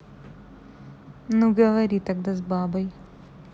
ну говори тогда с бабой